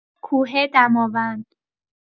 کوه دماوند